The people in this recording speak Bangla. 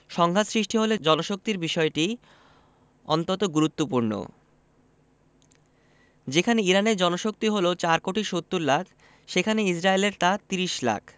সংঘাত সৃষ্টি হলে জনশক্তির বিষয়টি অন্তত গুরুত্বপূর্ণ যেখানে ইরানের জনশক্তি হলো ৪ কোটি ৭০ লাখ সেখানে ইসরায়েলের তা ৩০ লাখ